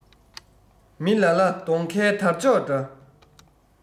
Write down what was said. མི ལ ལ སྡོང ཁའི དར ལྕོག འདྲ